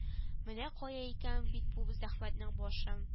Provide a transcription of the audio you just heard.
Менә кая икән бит бу зәхмәтнең башы